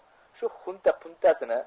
shu xunta puntasini